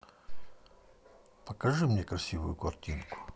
покажи мне красивую картинку